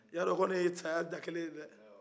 i y'a don ko ni o ye sayadakelen